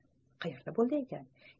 qayerda bo'ldi ekan